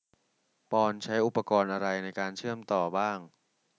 ปอนด์ใช้อุปกรณ์อะไรในการเชื่อมต่อบ้าง